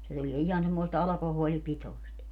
se tulee ihan semmoista alkoholipitoista